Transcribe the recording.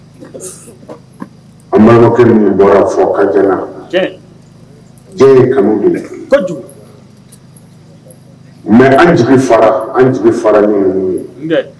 An manakɛ ninnu bɔra fɔ kan ye kanu an an fara ye